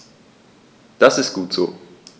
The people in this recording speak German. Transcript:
Das ist gut so.